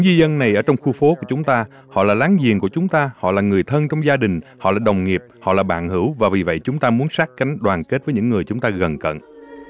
di dân này ở trong khu phố của chúng ta họ là láng giềng của chúng ta họ là người thân trong gia đình họ là đồng nghiệp họ là bạn hữu và vì vậy chúng ta muốn sát cánh đoàn kết với những người chúng ta gần cận